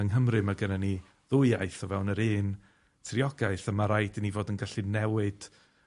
Yng Nghymru, ma' gynnon ni ddwy iaith o fewn yr un triogaeth, a ma' raid i ni fod yn gallu newid